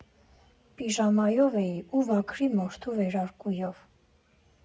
Պիժամայով էի ու վագրի մորթու վերարկուով։